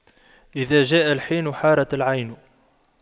إذا جاء الحين حارت العين